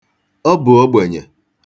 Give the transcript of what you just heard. Ọ bụ ogbenye.